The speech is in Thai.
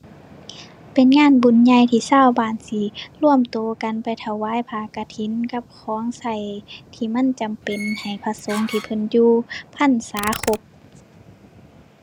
เป็นงานบุญใหญ่ที่ชาวบ้านสิรวมตัวกันไปถวายผ้ากฐินกับของตัวที่มันจำเป็นให้พระสงฆ์ที่เพิ่นอยู่พรรษาครบ